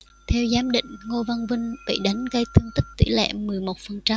theo giám định ngô văn vinh bị đánh gây thương tích tỉ lệ mười một phần trăm